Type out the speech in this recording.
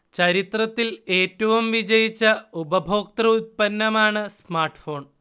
ചരിത്രത്തിൽ ഏറ്റവും വിജയിച്ച ഉപഭോക്തൃ ഉത്പന്നമാണ് സ്മാർട്ഫോൺ